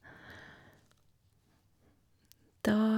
Da...